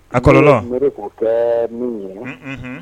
A kɔlɔ ko bɛɛ minnu